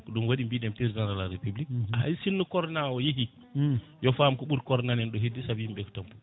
ko ɗum waɗi mbiɗen président de la république hay sinno Corona o yeehi yo faam ko ɓuuri Corona nana en ɗo heddi saabu yimɓeɓe ko tampuɓe